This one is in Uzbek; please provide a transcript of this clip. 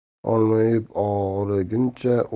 olma yeb og'riguncha